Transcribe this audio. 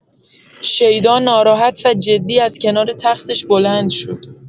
شیدا ناراحت و جدی از کنار تختش بلند شد.